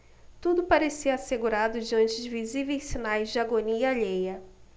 tudo parecia assegurado diante de visíveis sinais de agonia alheia